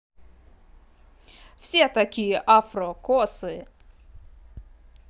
все такие афрокосы